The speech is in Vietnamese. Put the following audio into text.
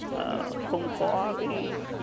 ờ không có cái